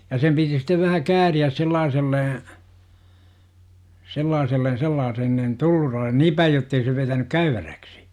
ja sen piti sitten vähän kääriä sellaisella sellaiseen sellaisen niin - niin päin jotta ei se vetänyt käyväräksi